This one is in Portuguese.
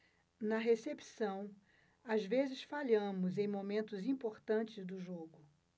na recepção às vezes falhamos em momentos importantes do jogo